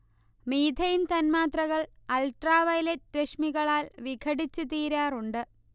methane തന്മാത്രകൾ ultraviolet രശ്മികളാൽ വിഘടിച്ച് തീരാറുണ്ട്